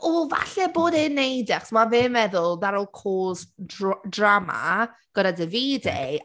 O, falle bod e’n wneud e achos mae fe’n meddwl that’ll cause dr- drama gyda Davide...